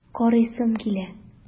Карыйсым килә!